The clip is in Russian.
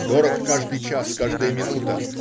Дорог каждый час, каждая минута.